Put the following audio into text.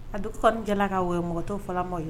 A dugu kɔni jala ka mɔgɔtɔ fa ma ye